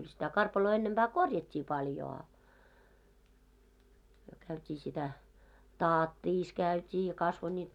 kyllä sitä karpaloa ennempää korjattiin paljon a me käytiin sitä tatissa käytiin ja kasvoi niitä